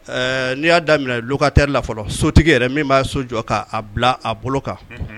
N'i y'a daminɛ minɛluka teriri la fɔlɔ sotigi yɛrɛ min b'a so jɔ k'a bila a bolo kan